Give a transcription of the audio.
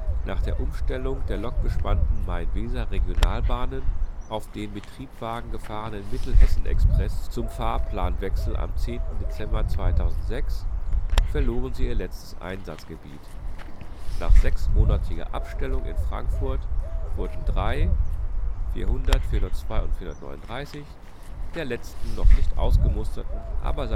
Nach der Umstellung der lokbespannten Main-Weser-Regionalbahnen auf den mit Triebwagen gefahrenen Mittelhessen-Express zum Fahrplanwechsel am 10. Dezember 2006 verloren sie ihr letztes Einsatzgebiet. Nach sechsmonatiger Abstellung in Frankfurt wurden drei (400, 402 und 439) der vier letzten noch nicht ausgemusterten, aber